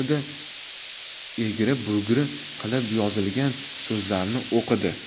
egri bugri qilib yozilgan so'zlarni o'qidi